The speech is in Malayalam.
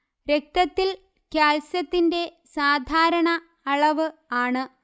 രക്തത്തിൽ കാൽസ്യത്തിന്റെ സാധാരണ അളവ് ആണ്